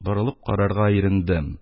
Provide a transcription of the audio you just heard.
Борылып карарга ирендем.